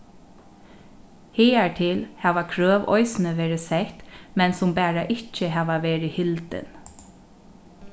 higartil hava krøv eisini verið sett men sum bara ikki hava verið hildin